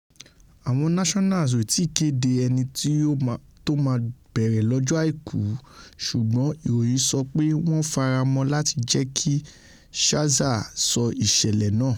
Àwọn Nationals ò tí ì kéde ẹni tó máa bẹ̀rẹ̀ lọ́jọ Àìkú, ṣùgbọ́n ìròyìn sọ pé wọn faramọ́ láti jẹ́kí Scherzer sọ ìṣẹ̀lẹ̀ náà.